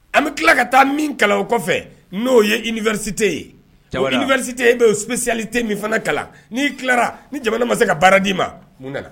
An bɛ tila ka taa min kalan o kɔfɛ n'o ye Université ye, Diawara, o Université e b'o Spécialité min fana kalan, ni klara ni jamana ma se ka baara d'i ma mun nana